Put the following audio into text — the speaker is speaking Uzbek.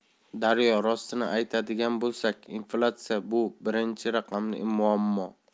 daryo rostini aytadigan bo'lsak inflyatsiya bu birinchi raqamli muammo